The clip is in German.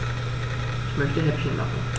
Ich möchte Häppchen machen.